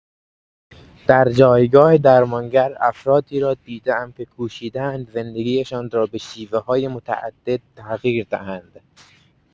در جایگاه درمانگر افرادی را دیده‌ام که کوشیده‌اند زندگی‌شان را به شیوه‌های متعدد تغییر دهند.